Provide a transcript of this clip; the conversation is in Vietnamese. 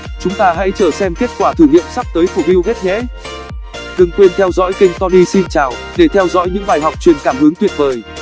chúng ta hãy chờ xem kết quả thử nghiệm sắp tới của bill gates nhé đừng quên theo dõi kênh tony xin chào để theo dõi những bài học truyền cảm hứng tuyệt vời